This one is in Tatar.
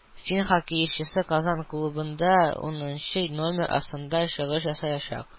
Фин хоккейчысы Казан клубында унынчы номер астында чыгыш ясаячак